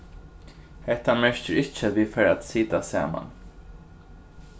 hetta merkir ikki at vit fara at sita saman